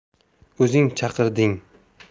o'zing chaqirding